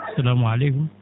salamu aleykum